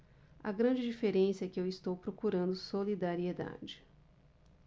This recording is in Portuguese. a grande diferença é que eu estou procurando solidariedade